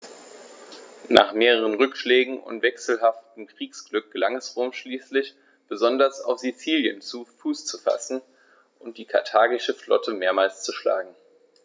Nach mehreren Rückschlägen und wechselhaftem Kriegsglück gelang es Rom schließlich, besonders auf Sizilien Fuß zu fassen und die karthagische Flotte mehrmals zu schlagen.